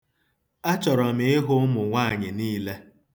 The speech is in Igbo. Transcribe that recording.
Achọrọ m ịhụ ụmụnwaanyị niile.